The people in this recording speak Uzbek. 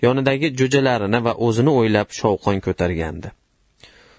yonidagi jo'jalari va o'zini o'ylab shovqin ko'targandi